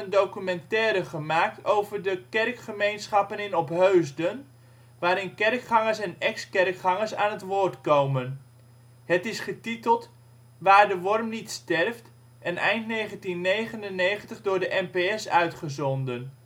documentaire gemaakt over de kerkgemeenschappen in Opheusden, waarin (ex -) kerkgangers aan het woord komen. Het is getiteld Waar de worm niet sterft en eind 1999 door de NPS uitgezonden